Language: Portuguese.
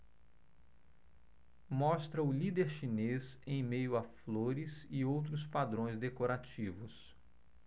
mostra o líder chinês em meio a flores e outros padrões decorativos